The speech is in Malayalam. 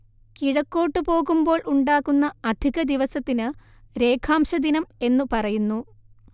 കിഴക്കോട്ടു പോകുമ്പോൾ ഉണ്ടാകുന്ന അധികദിവസത്തിന് രേഖാംശദിനം എന്നു പറയുന്നു